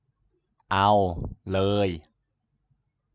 เอาเลย